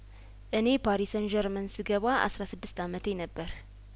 እኔ ፓሪሰን ዠርማን ስገባ አስራ ስድስት አመቴ ነበር